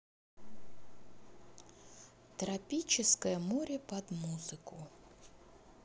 тропическое море под музыку